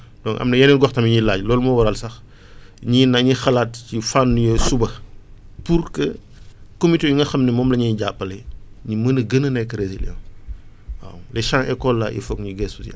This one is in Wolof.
am na yeneen gox tamit yuy laaj loolu moo waral sax ñii nañu xalaat ci fànn yooyu suba pour que comités yi nga xam ne moom la ñuy jàppale ñu mën a gën a nekk résiliant waaw les cahmps école là :fa il foog ñu gëstu si